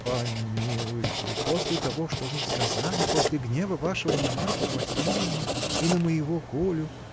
— Помилуйте, после того что вы сказали, после гнева вашего на Марфу Васильевну и на моего Колю?